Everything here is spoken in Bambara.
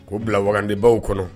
K'o bila wagandebaw kɔnɔ